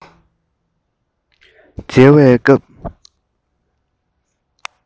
འཇལ བའི སྐབས